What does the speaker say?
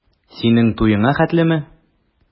Синең туеңа хәтлеме?